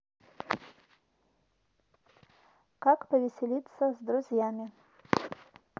как повеселиться с друзьями